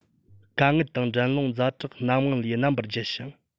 དཀའ ངལ དང འགྲན སློང ཛ དྲག སྣ མང ལས རྣམ པར རྒྱལ ཞིང